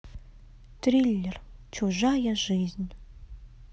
триллер чужая жизнь